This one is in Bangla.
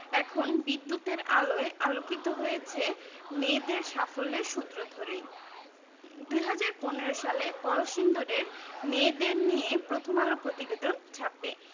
এখন বিদ্যুতের আলোয় আলোকিত হয়েছে মেয়েদের সাফল্যের সূত্র ধরেই ২০১৫ সালে কলসিন্দুরের মেয়েদের নিয়ে প্রথম আলো প্রতিবেদন ছাপে